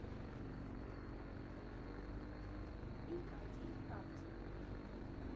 Մի կաթիլ կաթ։